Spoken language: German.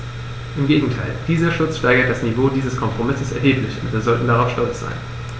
Im Gegenteil: Dieser Schutz steigert das Niveau dieses Kompromisses erheblich, und wir sollten stolz darauf sein.